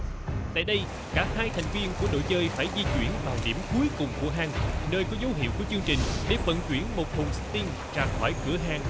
tại đây cả hai thành viên của đội chơi phải di chuyển vào điểm cuối cùng của hang nơi có dấu hiệu của chương trình để vận chuyển một thùng sờ tinh ra khỏi cửa hang